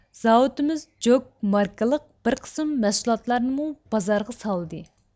زاۋۇتىمىز جوك ماركىلىق بىر قىسىم مەھسۇلاتلارنىمۇ بازارغا سالدى